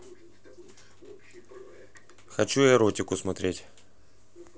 хочу эротику смотреть